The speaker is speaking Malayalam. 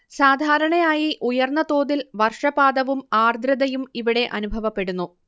സാധാരണയായി ഉയർന്ന തോതിൽ വർഷപാതവും ആർദ്രതയും ഇവിടെ അനുഭവപ്പെടുന്നു